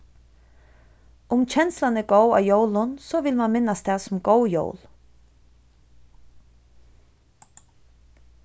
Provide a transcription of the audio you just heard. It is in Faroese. um kenslan er góð á jólum so vil mann minnast tað sum góð jól